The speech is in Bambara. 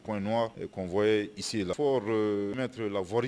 Fɔ n la